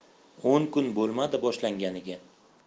o'n kun bo'lmadi boshlanganiga